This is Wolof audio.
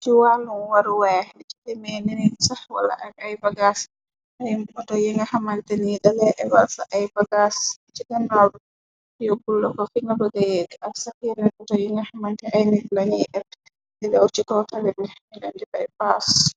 ci wàllum waruwaex li ci demee niri sax wala ak ay pagas arim oto yi nga xamante ni dalee evalsa ay bagas ci ganoob yobbul la ko xi na bëga yéeg ab saxiene boto yi nga xamante ay nit lañuy epp di daw ci ko tari bi dilen di faye paas.